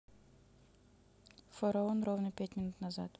фараон ровно пять минут назад